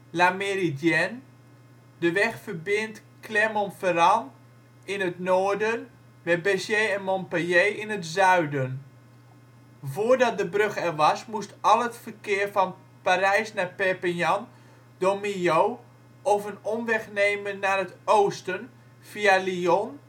La Méridienne). De weg verbindt Clermont-Ferrand in het noorden met Béziers en Montpellier in het zuiden. Voordat de brug er was, moest al het verkeer van Parijs naar Perpignan door Millau, of een omweg nemen naar het oosten via Lyon